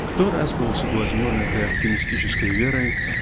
Кто раз был соблазнен этой оптимистической верой